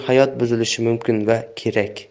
hayot buzilishi mumkin va kerak